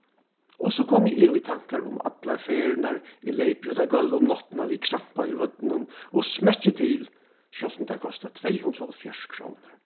og so komi eg í tankar um allar ferðirnar eg leypi út á gólv um náttina við krampa í vøddunum og smekki til sjálvt um tær kosta tvey hundrað og hálvfjerðs krónur